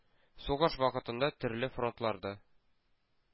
Сугыш вакытында төрле фронтларда